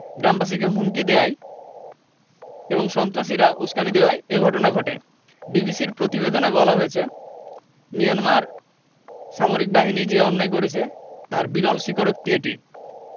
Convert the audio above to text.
গ্রামবাসীকে হুমকি দেওয়ায় এবং সন্ত্রাসীরা উসকানি দেওয়ায় এ ঘটনা ঘটে বিবিসির প্রতিবেদনে বলা হয়েছে মিয়ানমার সামরিক বাহিনী যে অন্যায় করেছে তার বিরল স্বীকারোক্তি এটি